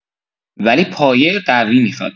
ولی پایه قوی میخواد